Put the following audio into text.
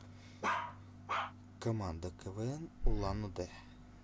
команда квн улан удэ